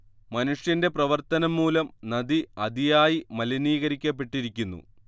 മനുഷ്യന്റെ പ്രവർത്തനം മൂലം നദി അതിയായി മലിനീകരിക്കപ്പെട്ടിരിക്കുന്നു